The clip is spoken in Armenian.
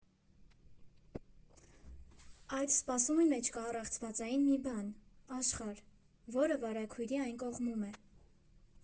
Այդ սպասումի մեջ կա առեղծվածային մի բան՝ աշխարհ, որը վարագույրի այն կողմում է։